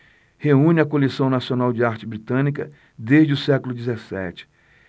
reúne a coleção nacional de arte britânica desde o século dezessete